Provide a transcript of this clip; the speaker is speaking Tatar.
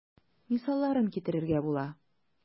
Мисалларын китерергә була.